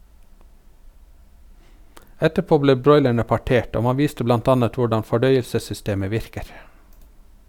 Etterpå ble broilerne partert, og man viste blant annet hvordan fordøyelsessystemet virker.